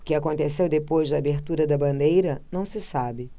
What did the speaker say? o que aconteceu depois da abertura da bandeira não se sabe